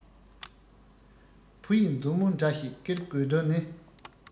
བུ ཡི མཛུབ མོ འདྲ ཞིག ཀེར དགོས དོན ནི